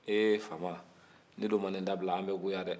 ee faama n'i dun ma nin dabila an bɛ goya dɛ